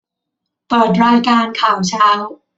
เปิดรายการข่าวเช้า